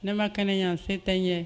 Ne ma kɛnɛya yan se tɛ n ye